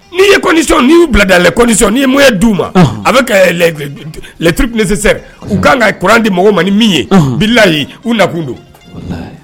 N'i ye condition n'i y'u bila dans les conditions n'i ye moyen d'u ma, unhun, avec les trucs nécéssaires u kan ka kuran di mɔgɔw ma ni min ye bilahi u nakun don